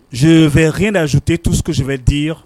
Je vais rien ajouter, tout ce que je vais dire